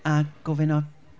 A gofyn am...